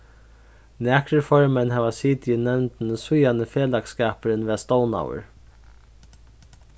nakrir formenn hava sitið í nevndini síðani felagsskapurin varð stovnaður